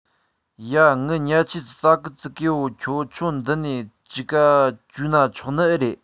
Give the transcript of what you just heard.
ཡ ངའི ཉལ ཆས ར ཙ གེ ཙི གེ བོ ཁྱེད ཆོ འདི ནས ཅིག ག བཅོའུ ན ཆོག ནི ཨེ རེད